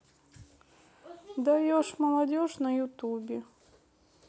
даешь молодежь на ютубе